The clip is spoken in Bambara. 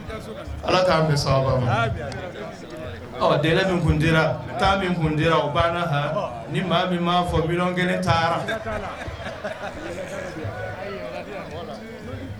Ala k'an bɛ sababa ma amina délai min tun dira temps min tu dira o baanna han ni maa min'a fɔ 1000000 taara.